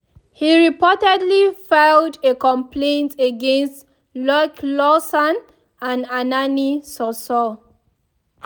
He reportedly filed a complaint against #LoicLawson and #AnaniSossou.